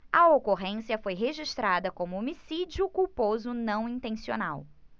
a ocorrência foi registrada como homicídio culposo não intencional